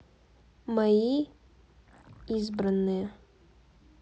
мои избранные